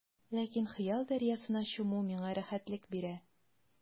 Ләкин хыял дәрьясына чуму миңа рәхәтлек бирә.